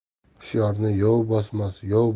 hushyorni yov bosmas yov